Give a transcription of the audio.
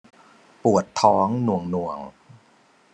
ปวดท้องหน่วงหน่วง